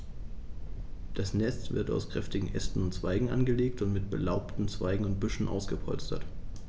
Das Nest wird aus kräftigen Ästen und Zweigen angelegt und mit belaubten Zweigen und Büscheln ausgepolstert.